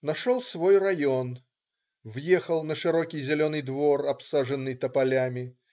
Нашел свой район - въехал на широкий зеленый двор, обсаженный тополями.